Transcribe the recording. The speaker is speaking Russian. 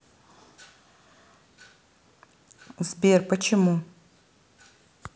сбер почему